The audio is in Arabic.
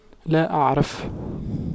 لا اعرف